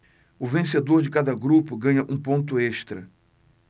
o vencedor de cada grupo ganha um ponto extra